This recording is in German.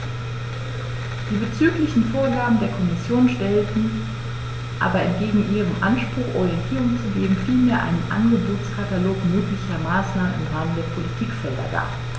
Die diesbezüglichen Vorgaben der Kommission stellen aber entgegen ihrem Anspruch, Orientierung zu geben, vielmehr einen Angebotskatalog möglicher Maßnahmen im Rahmen der Politikfelder dar.